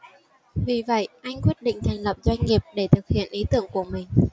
vì vậy anh quyết định thành lập doanh nghiệp để thực hiện ý tưởng của mình